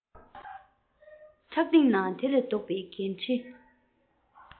ཕྲག སྟེང ན དེ ལས ལྡོག པའི འགན འཁྲི